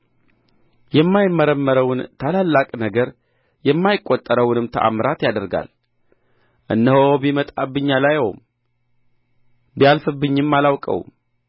የማይመረመረውን ታላላቅ ነገር የማይቈጠረውንም ተአምራት ያደርጋል እነሆ ቢመጣብኝ አላየውም ቢያልፍብኝም አላውቀውም